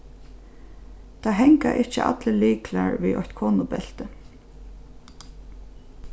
tað hanga ikki allir lyklar við eitt konubelti